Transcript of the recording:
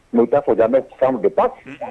N' da ko jan n bɛ fa bɛ ba